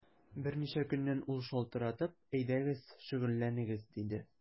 Берничә көннән ул шалтыратып: “Әйдәгез, шөгыльләнегез”, диде.